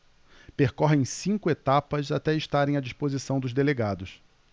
percorrem cinco etapas até estarem à disposição dos delegados